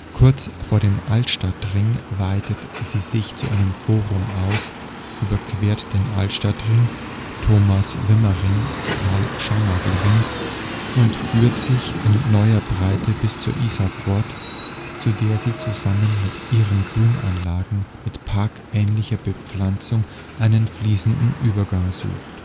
Kurz vor dem Altstadtring weitet sie sich zu einem Forum aus, überquert den Altstadtring (Thomas-Wimmer-Ring/Karl-Scharnagl-Ring) und führt sich in neuer Breite bis zur Isar fort, zu der sie zusammen mit ihren Grünanlagen mit parkähnlicher Bepflanzung einen fließenden Übergang sucht